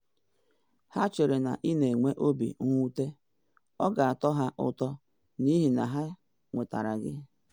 Ha chere na ị na enwe obi mwute, ọ ga-atọ ha ụtọ n’ihi na ha nwetara gị.”